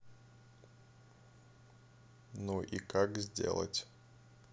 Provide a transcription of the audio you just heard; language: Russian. ну и как сделать